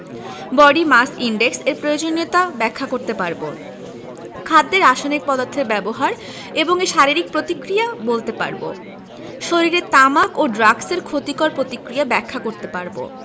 body mass index এর প্রয়োজনীয়তা ব্যাখ্যা করতে পারব খাদ্যে রাসায়নিক পদার্থের ব্যবহার এবং এর শারীরিক প্রতিক্রিয়া বলতে পারব শরীরে তামাক ও ড্রাগসের ক্ষতিকর প্রতিক্রিয়া ব্যাখ্যা করতে পারব